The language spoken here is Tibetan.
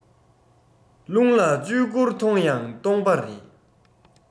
རླུང ལ གཅུས བསྐོར མཐོང ཡང སྟོང པ རེད